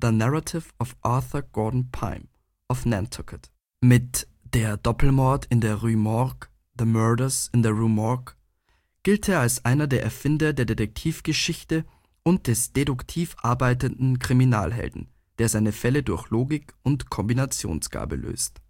Narrative of Arthur Gordon Pym of Nantucket). Mit Der Doppelmord in der Rue Morgue (The Murders in the Rue Morgue) gilt er als einer der Erfinder der Detektivgeschichte und des deduktiv arbeitenden Krimihelden, der seine Fälle durch Logik und Kombinationsgabe löst